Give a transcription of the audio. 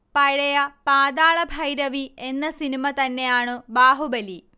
പഴയ പാതാളഭൈരവി എന്ന സിനിമ തന്നെയാണു ബാഹുബലി